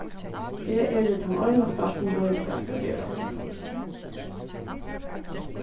eg eri tann einasta sum veit hvat skal gerast